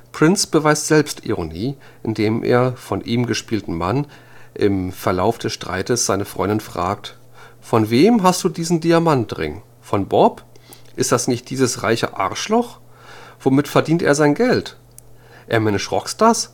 Prince beweist Selbstironie, indem der von ihm gespielten Mann im Verlauf des Streits seine Freundin fragt: „ Von wem hast Du diesen Diamantring? Von Bob? Ist das nicht dieses reiche Arschloch? Womit verdient er sein Geld? Er managt Rockstars? Wen